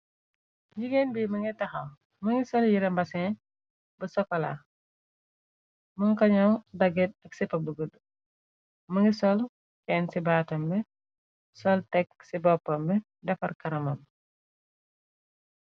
jigéen bi mingay taxam më ngi sol yiram basin bu sokola mën kañaw dagget ak sipabu gëdd më ngi sol kenn ci baatambi sol tekk ci boppambi defar kanamam